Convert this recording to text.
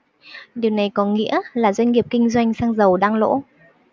điều này có nghĩa là doanh nghiệp kinh doanh xăng dầu đang lỗ